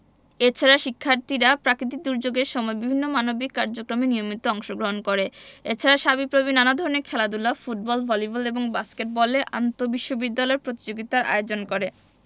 এছাড়া শিক্ষার্থীরা প্রাকিতিক দূর্যোগের সময় বিভিন্ন মানবিক কার্যক্রমে নিয়মিত অংশগ্রহণ করে এছাড়া সাবিপ্রবি নানা ধরনের খেলাধুলা ফুটবল ভলিবল এবং বাস্কেটবলে আন্তঃবিশ্ববিদ্যালয় প্রতিযোগিতার আয়োজন করে